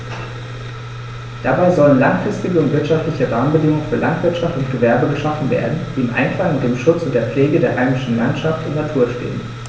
Dabei sollen langfristige und wirtschaftliche Rahmenbedingungen für Landwirtschaft und Gewerbe geschaffen werden, die im Einklang mit dem Schutz und der Pflege der heimischen Landschaft und Natur stehen.